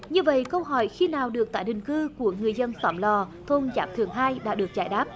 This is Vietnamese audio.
như vậy câu hỏi khi nào được tái định cư của người dân xóm lò thôn giáp thượng hai đã được giải đáp